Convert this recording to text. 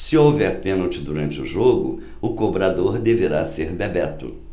se houver pênalti durante o jogo o cobrador deverá ser bebeto